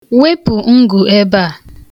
Wepụ ngụ ebea.